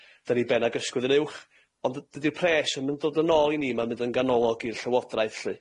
'Dan ni ben ag ysgwydd yn uwch. Ond dyd- dydi'r pres 'im yn dod yn ôl i ni, ma'n mynd yn ganolog i'r llywodraeth lly.